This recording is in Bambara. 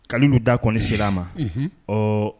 Kalo don da kɔni sera a ma ɔ